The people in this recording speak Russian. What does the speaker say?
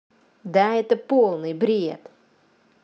да это полный бред